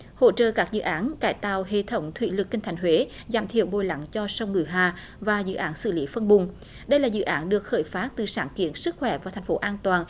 hỗ trợ các dự án cải tạo hệ thống thủy lực kinh thành huế giảm thiểu bồi lắng cho sông ngự hà và dự án xử lý phân bùn đây là dự án được khởi phát từ sáng kiến sức khỏe và thành phố an toàn